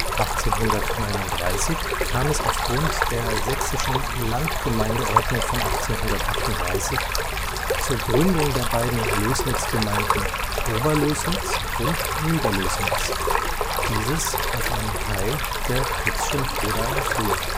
1839 kam es aufgrund der Sächsischen Landgemeindeordnung von 1838 zur Gründung der beiden Lößnitzgemeinden Oberlößnitz und Niederlößnitz, dieses auf einem Teil der Kötzschenbrodaer Flur